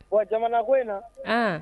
Bon jamana ko in na ann